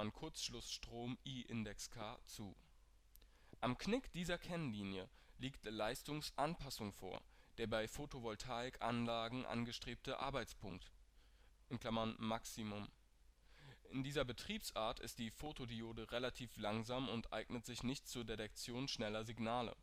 Kurzschlussstrom IK) zu. Am Knick dieser Kennlinie liegt Leistungsanpassung vor – der bei Photovoltaikanlagen angestrebte Arbeitspunkt (Maximum Power Point). In dieser Betriebsart ist die Photodiode relativ langsam und eignet sich nicht zur Detektion schneller Signale